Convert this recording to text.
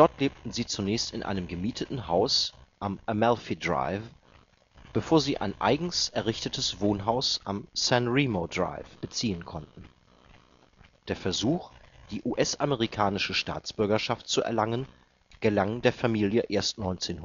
lebten sie zunächst in einem gemieteten Haus am Amalfi Drive, bevor sie ein eigens errichtetes Wohnhaus am San Remo Drive beziehen konnten. Der Versuch, die US-amerikanische Staatsbürgerschaft zu erlangen, gelang der Familie erst 1944